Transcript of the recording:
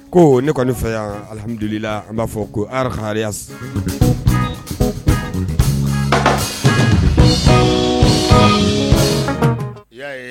Ko ne kɔni fɛ y' alihamdulilila an b'a fɔ ko ara'a